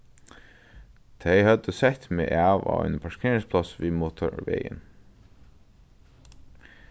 tey høvdu sett meg av á einum parkeringsplássi við motorvegin